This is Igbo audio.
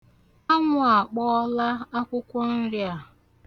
Anwụ akpọla akwụkwọ nri a.